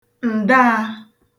ǹdaà